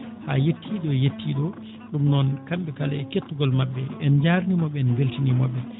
haa yettii ɗo yettii ɗoo ɗum noon kamɓe kala e kettugol maɓɓe en njarniima ɓe en mbeltaniima ɓe